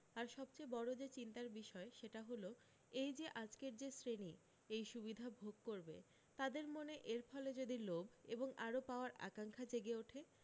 আর সবচেয়ে বড় যে চিন্তার বিষয় সেটা হল এই যে আজকের যে শ্রেণী এই সুবিধা ভোগ করবে তাদের মনে এর ফলে যদি লোভ এবং আরও পাওয়ার আকাঙ্খা জেগে ওঠে